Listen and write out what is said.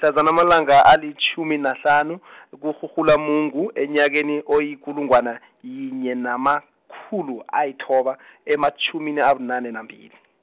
mhlazana amalanga alitjhumi nahlanu , e kuKhukhulamungu, enyakeni oyikulungwana, yinye namakhulu ayithoba , ematjhumini abunane nambili.